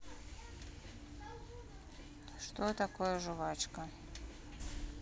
что такое жувачка